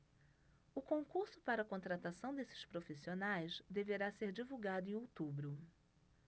o concurso para contratação desses profissionais deverá ser divulgado em outubro